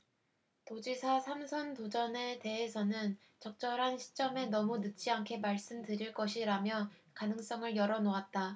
도지사 삼 선 도전에 대해서는 적절한 시점에 너무 늦지 않게 말씀 드릴 것이라며 가능성을 열어놓았다